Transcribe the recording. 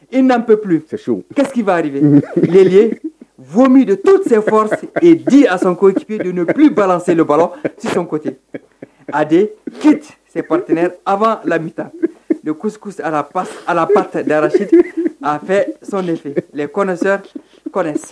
I n'anpsi bbali fu min de tu tɛfsi di asɔnkobisenba tɛsɔnkote a detept a ma lamɛnmita sisi alaps alapta darasiti a fɛfɛ ɛɛ